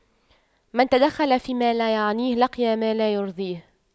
من تدخل فيما لا يعنيه لقي ما لا يرضيه